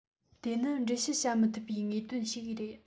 དེ ནི འགྲེལ བཤད བྱ མི ཐུབ པའི དངོས དོན ཞིག རེད